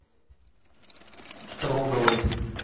строговы